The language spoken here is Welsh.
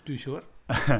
Dwi'n siŵr...